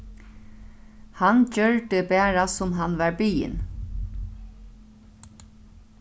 hann gjørdi bara sum hann varð biðin